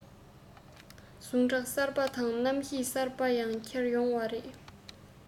ཟུངས ཁྲག གསར པ དང རྣམ ཤེས གསར པ ཡང ཁྱེར ཡོང བ རེད